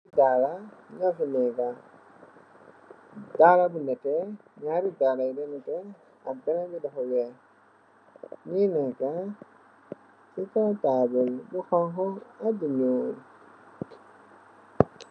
Dala nuo fi negka, dala bu netè, naari dala yi nete ak benen bi defa weeh nungi neka ci kaw taabul bu honkha ak bu ñuul.